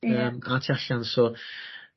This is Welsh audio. Yym a tu allan so.